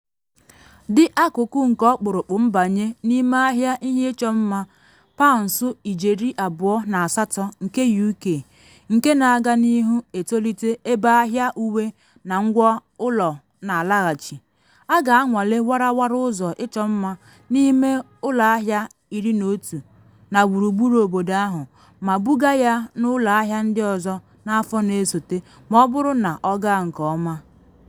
Dị akụkụ nke ọkpụrụkpụ mbanye n’ime ahịa ihe ịchọ mma £2.8n nke UK, nke na aga n’ihu etolite ebe ahịa uwe na ngwa ụlọ na alaghachi, a ga-anwale warawara ụzọ ịchọ mma n’ime ụlọ ahịa 11 na gburugburu obodo ahụ ma buga ya n’ụlọ ahịa ndị ọzọ n’afọ na esote ma ọ bụrụ na ọ gaa nke ọma.